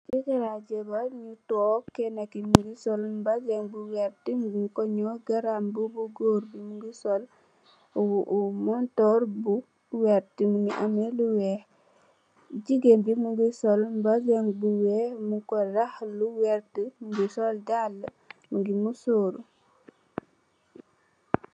Jekerr ak jabarr ñingi tok kenaki mungi sol mbessen bu wert ñunko ñaw garambuba gorr mungi sol montorr bu wert mungi ameh lu wekh gigeen bi mungi sol mbessen bu wekh mungfa deff lu wert mungi sol dal mungi musoru.